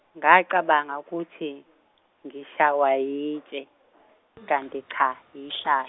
ngacabanga ukuthi, ngishaywa yitshe, kanti cha yihla-.